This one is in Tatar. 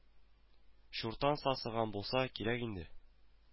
Чуртан сасыган булса кирәк инде